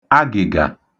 agị̀gà